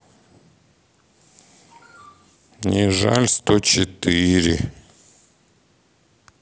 не жаль сто четыре